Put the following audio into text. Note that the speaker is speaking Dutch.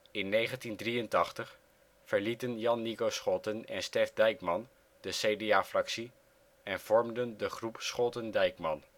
In 1983 verlieten Jan Nico Scholten en Stef Dijkman de CDA-fractie en vormden de Groep Scholten/Dijkman